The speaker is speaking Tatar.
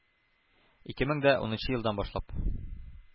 Ике мең дә унынчы елдан башлап